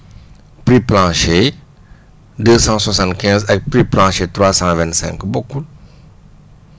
prix planché deux cent soixante quinze ak prix planché trois cent vingt cinq bokkul